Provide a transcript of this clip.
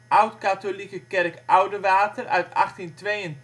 Oudkatholieke Kerk Oudewater uit 1882